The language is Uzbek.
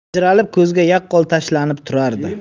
ajralib ko'zga yaqqol tashlanib turardi